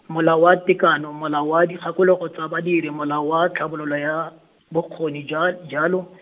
Molao wa Tekano Molao wa Dikgakologo tsa Badiri Molao wa Tlhabololo ya, Bokgoni ja, jalo.